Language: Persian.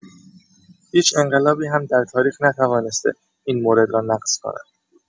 هیچ انقلابی هم در تاریخ نتوانسته این مورد را نقص کند.